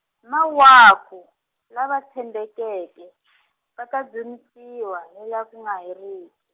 mawaku, lava tshembekeke , va ta dzunisiwa, hila ku nga heriki.